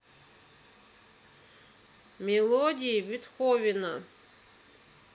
мелодии бетховена